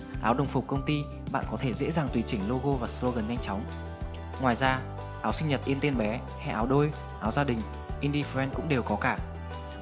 áo đồng phục công ty bạn có thể dễ dàng tùy chính logo và slogan nhanh chóng ngoài ra áo sinh nhật in tên bé hay áo đôi áo gia đình indyfriend cũng đều có cả